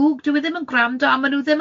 dyw e ddim yn gwrando